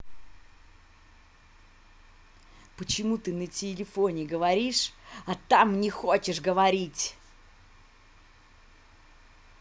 почему ты на телефоне говоришь а там не хочешь говорить